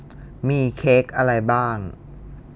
มีเค้กอะไรบ้าง